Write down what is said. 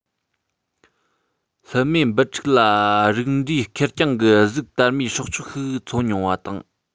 ལྷུ མེད འབུ ཕྲུག ལ རིགས འདྲའི ཁེར རྐྱང གི གཟུགས དར མའི སྲོག ཆགས ཤིག འཚོ མྱོང བ དང